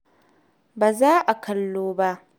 Ba za ka dawo ba!